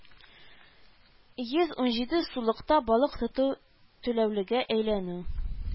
Йөз унҗиде сулыкта балык тоту түләүлегә әйләнү